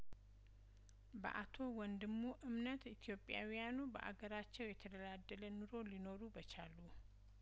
በአቶ ወንድሙ እምነት ኢትዮጵያውያኑ በአገራቸው የተደላደለ ኑሮ ሊኖሩ በቻሉ